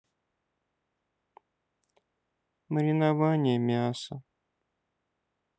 маринование мяса